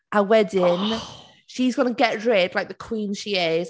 A wedyn she’s going to get rid, like the Queen she is.